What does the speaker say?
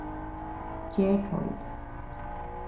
ger teig